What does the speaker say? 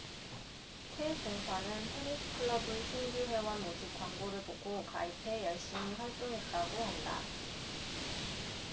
태 공사는 테니스 클럽의 신규 회원 모집 광고를 보고 가입해 열심히 활동했다고 한다